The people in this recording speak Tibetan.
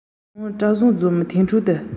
ཙི ཙི མང པོ ཡོད པའི དུས ལ ཟེར བ རེད